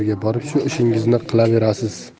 yerga borib shu ishingizni qilaverasiz